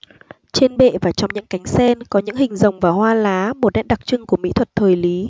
trên bệ và trong những cánh sen có những hình rồng và hoa lá một nét đặc trưng của mỹ thuật thời lý